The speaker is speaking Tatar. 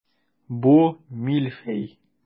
Бу мильфей.